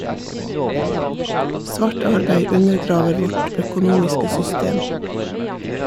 Svart arbeid undergraver vårt økonomiske system.